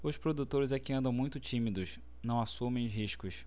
os produtores é que andam muito tímidos não assumem riscos